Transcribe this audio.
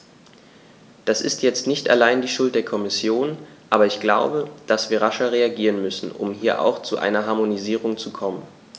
Das ist jetzt nicht allein die Schuld der Kommission, aber ich glaube, dass wir rascher reagieren müssen, um hier auch zu einer Harmonisierung zu kommen.